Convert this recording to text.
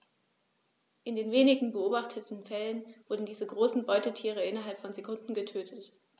In den wenigen beobachteten Fällen wurden diese großen Beutetiere innerhalb von Sekunden getötet.